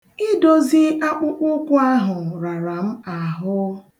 Idozi akpụkpụ ụkwụ ahụ rara m ahụ.